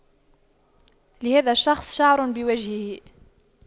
لهذا الشخص شعر بوجهه